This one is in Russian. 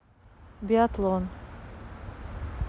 биатлон